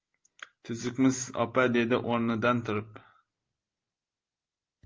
tuzukmisiz opa dedi o'rnidan turib